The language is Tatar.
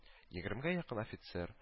Егермегә якын офицер